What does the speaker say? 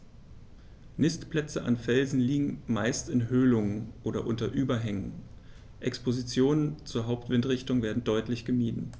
Nistplätze an Felsen liegen meist in Höhlungen oder unter Überhängen, Expositionen zur Hauptwindrichtung werden deutlich gemieden.